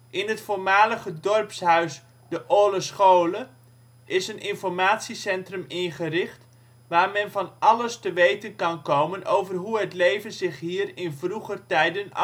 In het voormalige dorpshuis de Oale Schole is een informatiecentrum ingericht, waar men van alles te weten kan komen over hoe het leven zich hier in vroeger tijden